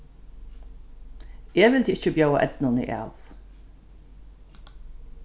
eg vildi ikki bjóða eydnuni av